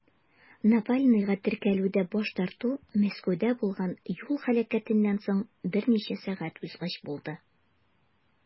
Навальныйга теркәлүдә баш тарту Мәскәүдә булган юл һәлакәтеннән соң берничә сәгать узгач булды.